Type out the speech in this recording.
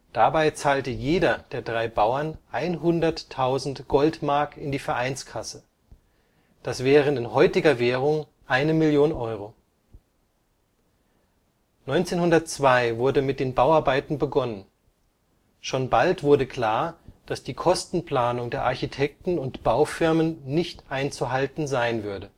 Dabei zahlte jeder der drei Bauern 100.000 Goldmark in die Vereinskasse, das wären in heutiger Währung eine Million Euro. 1902 wurde mit den Bauarbeiten begonnen. Schon bald wurde klar, dass die Kostenplanung der Architekten und Baufirmen nicht einzuhalten sein würde